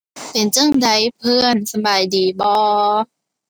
เป็นจั่งใดเพื่อน สำบายดีบ่